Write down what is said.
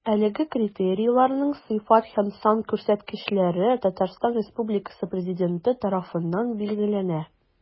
Әлеге критерийларның сыйфат һәм сан күрсәткечләре Татарстан Республикасы Президенты тарафыннан билгеләнә.